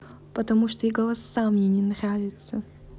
потому что и голоса мне не нравятся